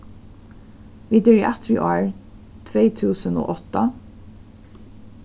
vit eru aftur í ár tvey túsund og átta